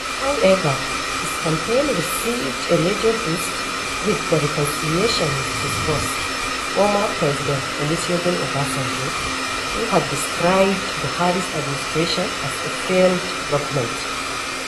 However, his campaign received a major boost with the reconciliation with his boss, former President Olusegun Obasanjo — who had described Buhari's administration as a failed government.